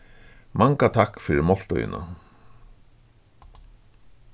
manga takk fyri máltíðina